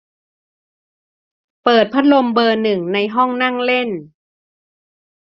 เปิดพัดลมเบอร์หนึ่งในห้องนั่งเล่น